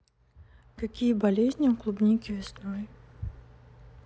какие болезни у клубники весной